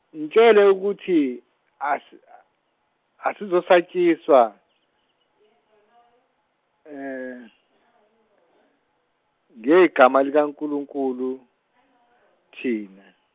mtshele ukuthi asi- a- asizosatshiswa , ngegama likaNkulunkulu , thina.